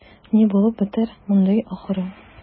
Ни булып бетәр моның ахыры?